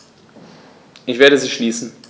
Ich werde sie schließen.